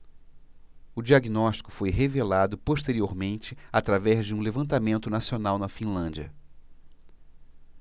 o diagnóstico foi revelado posteriormente através de um levantamento nacional na finlândia